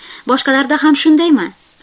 boshqalarda ham shundaymi